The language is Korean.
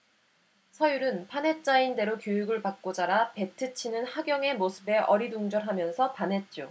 서율은 판에 짜인 대로 교육을 받고 자라 배트 치는 하경의 모습에 어리둥절 하면서 반했죠